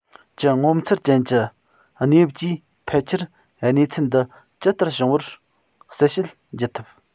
ཀྱི ངོ མཚར ཅན གྱི གནས བབ ཀྱིས ཕལ ཆེར གནས ཚུལ འདི ཇི ལྟར བྱུང བར གསལ བཤད བགྱི ཐུབ